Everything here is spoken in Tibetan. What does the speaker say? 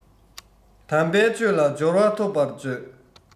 དམ པའི ཆོས ལ སྦྱོར བ ཐོབ པར མཛོད